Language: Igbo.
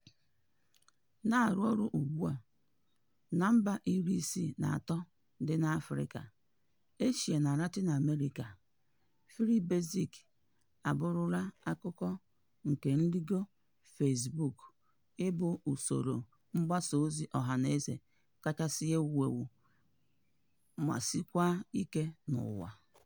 Na-arụ ọrụ ugbua na mba 63 dị n'Afrịka, Asia na Latin America, Free Basics abụrụla akụkụ nke nrịgo Facebook ịbụ usoro mgbasaozi ọhanaeze kachasị ewu ewu ma sikwaa ike n'ụwa.